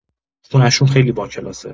خونه‌شون خیلی باکلاسه